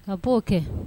A b'o kɛ.